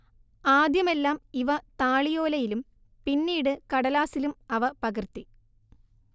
ആദ്യമെല്ലാം ഇവ താളിയോലയിലും പിന്നീട് കടലാസിലും അവ പകർത്തി